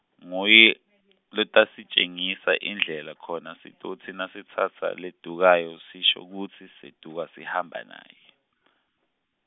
nguye , lotasitjengisa indlela khona sitsotsi nasitsatsa ledvukako sisho kutsi, seduka sihamba naye.